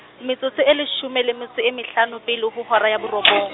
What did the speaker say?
metsotso e leshome le metso e mehlano pele ho hora ya borobong.